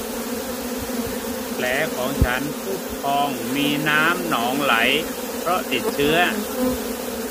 แผลของฉันพุพองมีน้ำหนองไหลเพราะติดเชื้อ